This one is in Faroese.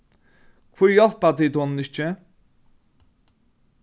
hví hjálpa tit honum ikki